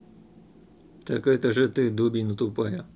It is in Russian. так это же ты дубина тупая